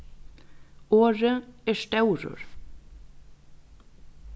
orðið er stórur